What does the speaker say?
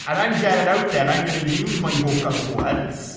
and I'm getting out there I'm going to use my vocal cords.